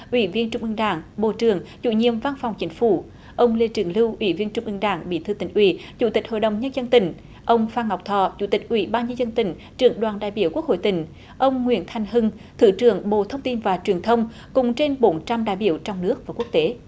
ủy viên trung ương đảng bộ trưởng chủ nhiệm văn phòng chính phủ ông lê trường lưu ủy viên trung ương đảng bí thư tỉnh ủy chủ tịch hội đồng nhân dân tỉnh ông phan ngọc thọ chủ tịch ủy ban nhân dân tỉnh trưởng đoàn đại biểu quốc hội tỉnh ông nguyễn thành hưng thứ trưởng bộ thông tin và truyền thông cùng trên bốn trăm đại biểu trong nước và quốc tế